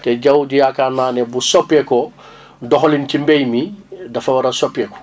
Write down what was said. te jaww ji yaakaar naa ne bu soppeekoo doxalin ci mbéy mi dafa war a soppeeku